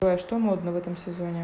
джой а что модно в этом сезоне